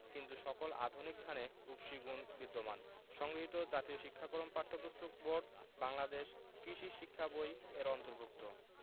কিন্তু সকল আধুনিক ধানে উফশী গুণ বিদ্যমান সংগৃহীত জাতীয় শিক্ষাক্রম ও পাঠ্যপুস্তক বোর্ড বাংলাদেশ কৃষি শিক্ষা বই এর অন্তর্ভুক্ত